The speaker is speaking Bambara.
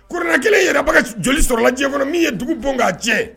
Korona kelen in yɛrɛ bɛ ka joli sɔrɔla diɲɛ kɔnɔ min ye dugu bon k'a tiɲɛ